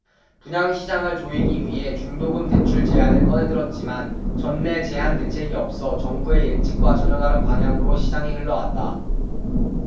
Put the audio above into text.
분양시장을 조이기 위해 중도금 대출 제한을 꺼내들었지만 전매제한 대책이 없어 정부의 예측과 전혀 다른 방향으로 시장이 흘러갔다